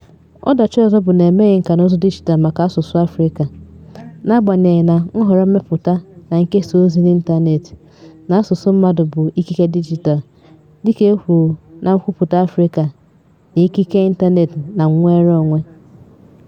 Ọdachi ọzọ bụ na e meghị nkànaụzụ dijitaalụ maka asụsụ Afrịka, n'agbanyeghị na "nhọrọ mmepụta na nkesa ozi n'ịntaneetị" n'asụsụ mmadụ bụ ikike dijitaalụ, dịka e kwuru na Nkwupụta Afrịka n'Ikike Ịntaneetị na Nnwereonwe.